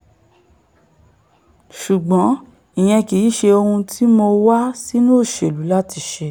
Ṣùgbọ́n ìyẹn kìí ṣe ohun tí Mo wá sínú òṣèlú láti ṣe.